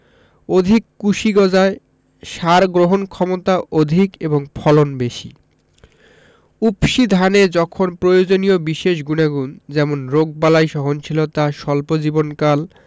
অধিক কুশি গজায় সার গ্রহণক্ষমতা অধিক এবং ফলন বেশি উফশী ধানে যখন প্রয়োজনীয় বিশেষ গুনাগুণ যেমন রোগবালাই সহনশীলতা স্বল্প জীবনকাল